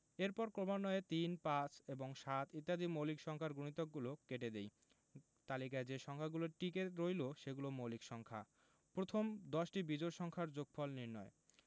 এরপর ক্রমান্বয়ে ৩ ৫ এবং ৭ ইত্যাদি মৌলিক সংখ্যার গুণিতকগুলো কেটে দিই তালিকায় যে সংখ্যাগুলো টিকে রইল সেগুলো মৌলিক সংখ্যা প্রথম দশটি বিজোড় সংখ্যার যোগফল নির্ণয়